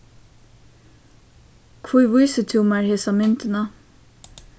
hví vísir tú mær hesa myndina